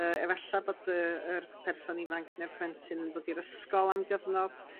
Yy efalla bod y yr person ifanc ne'r plentyn yn dod i'r ysgol am gyfnod,